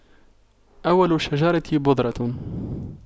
أول الشجرة بذرة